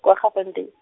Kwaggafontein.